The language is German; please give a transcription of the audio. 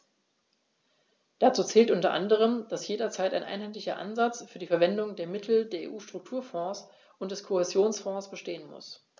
Dazu zählt u. a., dass jederzeit ein einheitlicher Ansatz für die Verwendung der Mittel der EU-Strukturfonds und des Kohäsionsfonds bestehen muss.